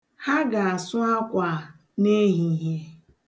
Ha ga-asụ akwa ha n'ehihie.